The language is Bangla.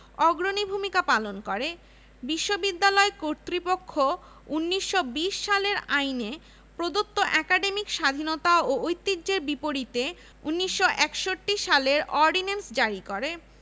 স্বাধীন বাংলাদেশের অভ্যুদয়ে ঢাকা বিশ্ববিদ্যালয়ে নতুন প্রাণের সঞ্চার হয় মুক্তবুদ্ধি চর্চা ও জ্ঞান অর্জনের ক্ষেত্রে সৃষ্টি হয় নতুন দিগন্তের